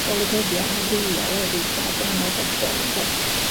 golygyddion amrywiol eryll a gwahanol bobol ynde?